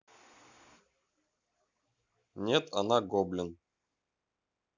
нет она гоблин